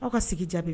Aw ka sigi jaabi